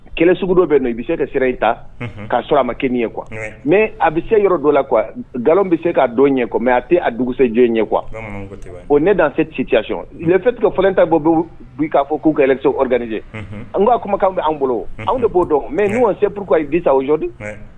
Kɛlɛ sugudo bɛ nɔ i bɛ se ka sira i ta k'a sɔrɔ a ma kɛ ye kuwa mɛ a bɛ se yɔrɔ dɔ la qu nkalon bɛ se ka dɔn ɲɛ kuwa mɛ a tɛ a dugusɛ jo ɲɛ kuwa o ne se cicc fɛtigɛ fɛn ta bɔ bɛ ka fɔ k'u kɛ sede an k'a kumakan bɛ anw bolo anw de b'o dɔn mɛ hɔn sepuru ye bisa oodi